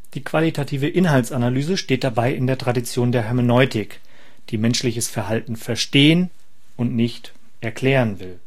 Die qualitative Inhaltsanalyse steht dabei in der Tradition der Hermeneutik, die menschliches Verhalten verstehen und nicht erklären will